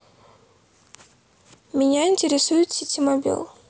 меня интересует ситимобил